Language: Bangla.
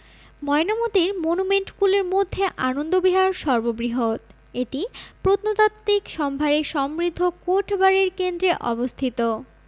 ময়নামতীর মনুমেন্টগুলির মধ্যে আনন্দবিহার সর্ববৃহৎ এটি প্রত্নতাত্ত্বিক সম্ভারে সমৃদ্ধ কোটবাড়ির কেন্দ্রে অবস্থিত